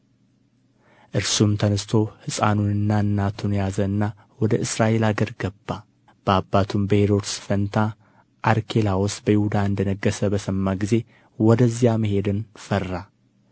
እርሱም ተነሥቶ ሕፃኑንና እናቱን ያዘና ወደ እስራኤል አገር ገባ በአባቱም በሄሮድስ ፈንታ አርኬላዎስ በይሁዳ እንደ ነገሠ በሰማ ጊዜ ወደዚያ መሄድን ፈራ